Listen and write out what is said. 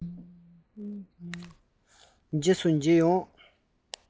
རྗེས སུ མཇལ ཡོང